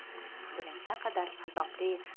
buning naqadar azobli